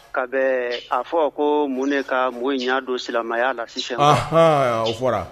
Ka a fɔ ko mun ne ka mɔgɔ in y'a don silamɛya la sisan